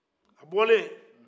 a bɔlen